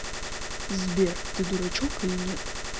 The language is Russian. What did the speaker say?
сбер ты дурачок или нет